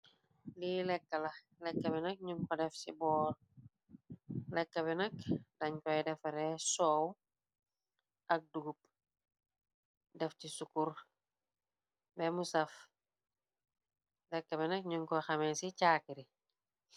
lii lekkaekka bi nak ñun ko def ci bwol lekka bi nak dañ koy defare soow ak dugub def ci sukur bemusaf lekka bi nak ñun ko xamee ci caakari.